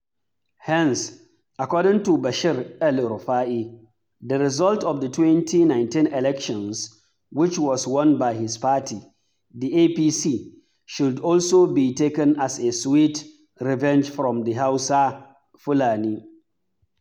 Hence, according to Bashir El-Rufai, the result of the 2019 elections which was won by his party, the APC, should also be taken as a sweet "revenge" from the Hausa, Fulani.